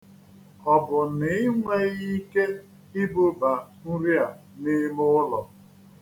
Ọ bụ na ị nweghị ike ibuba nrị a n'ime ụlọ?